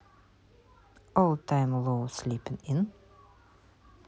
ол тайм лоу слипин ин